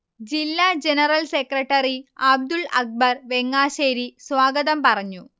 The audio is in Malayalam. ജില്ലാ ജനറൽ സെക്രട്ടറി അബ്ദുൽ അക്ബർ വെങ്ങാശ്ശേരി സ്വാഗതം പറഞ്ഞു